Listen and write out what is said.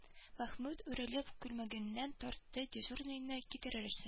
Мәхмүт үрелеп күлмәгеннән тартты дежурныйны китерерсең